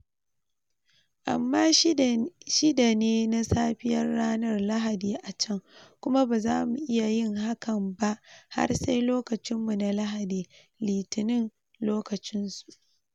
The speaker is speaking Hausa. "Amma shida ne na safiyar ranar Lahadi a can, kuma ba za mu iya yin hakan ba har sai lokacin mu na Lahadi, Litinin lokacin su.